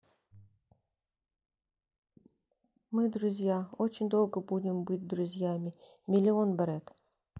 мы друзья очень долго будем быть друзьями миллион бред